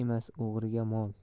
emas o'g'riga mol